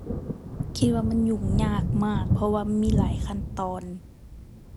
คิดว่ามันยุ่งยากมาก เพราะว่ามันมีหลายขั้นตอน